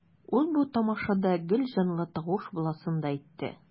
Ул бу тамашада гел җанлы тавыш буласын да әйтте.